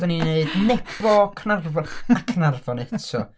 dan ni'n neud Nebo, Caernarfon a Caernarfon eto.